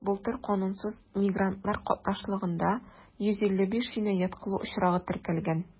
Былтыр канунсыз мигрантлар катнашлыгында 155 җинаять кылу очрагы теркәлгән.